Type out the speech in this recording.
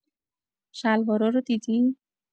شلوارا رو دیدی؟